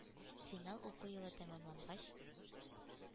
Финал уку елы тәмамлангач,